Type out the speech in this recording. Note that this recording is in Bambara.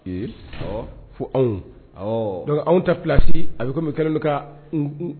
Ee ɔ fo anw dɔnku anw ta filasi a bɛ komi kɛlen bɛ ka